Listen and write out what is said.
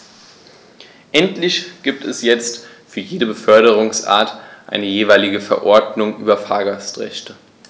Endlich gibt es jetzt für jede Beförderungsart eine jeweilige Verordnung über Fahrgastrechte.